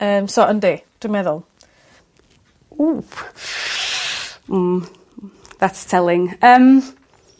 Yym so yndi dwi'n meddwl . Ww. Mm that's telling yym.